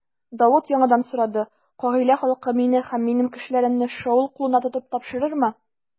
Давыт яңадан сорады: Кыгыйлә халкы мине һәм минем кешеләремне Шаул кулына тотып тапшырырмы?